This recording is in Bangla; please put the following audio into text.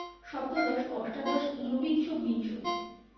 সপ্তদশ অষ্টাদশ উনবিংশ বিংশ